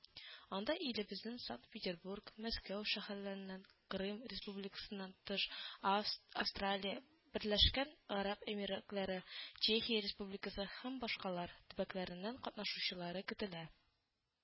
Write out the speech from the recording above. Анда илебезнең Санкт-Петербург, Мәскәү шәһәлләленнән, Крым Республикасыннан тыш, Авс Австралия, Берләшкән Гарәп Әмирлекләре, Чехия Республикасы һәм башкалар төбәкләреннән катнашучылары көтелә